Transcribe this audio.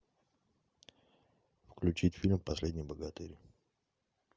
включить фильм последний богатырь